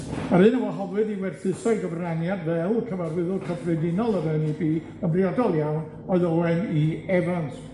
A'r un a wahoddwyd i werthuso'i gyfraniad fel cyfarwyddwr cyffredinol yr En Ee Bee yn briodol iawn oedd Owen Ee Evans,